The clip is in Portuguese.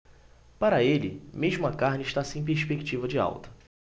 para ele mesmo a carne está sem perspectiva de alta